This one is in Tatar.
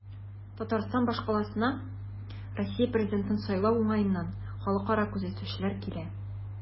Татарстан башкаласына Россия президентын сайлау уңаеннан халыкара күзәтүчеләр килә.